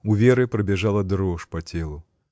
У Веры пробежала дрожь по телу.